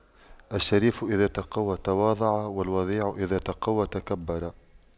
الشريف إذا تَقَوَّى تواضع والوضيع إذا تَقَوَّى تكبر